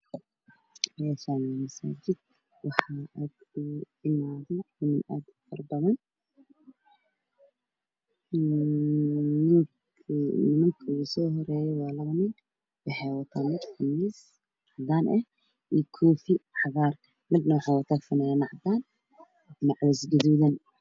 Meeshaan waa masjid daaqadihiisa waa buluug darbigana waa cadaan